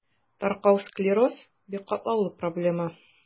Таркау склероз – бик катлаулы проблема.